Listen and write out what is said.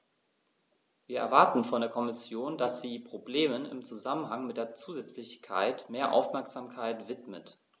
Wir erwarten von der Kommission, dass sie Problemen im Zusammenhang mit der Zusätzlichkeit mehr Aufmerksamkeit widmet.